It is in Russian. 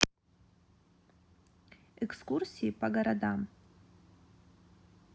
экскурсии по городам